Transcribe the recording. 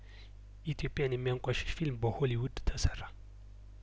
ኢትዮጵያን የሚያንቋሽሽ ፊልም በሆሊውድ ተሰራ